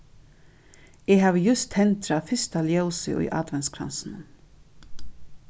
eg havi júst tendrað fyrsta ljósið í adventskransinum